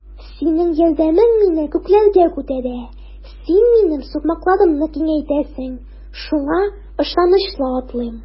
Синең ярдәмең мине күкләргә күтәрә, син минем сукмакларымны киңәйтәсең, шуңа ышанычлы атлыйм.